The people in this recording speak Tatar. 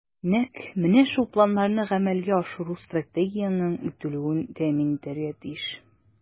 Нәкъ менә шул планнарны гамәлгә ашыру Стратегиянең үтәлүен тәэмин итәргә тиеш.